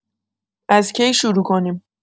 از کی شروع کنیم؟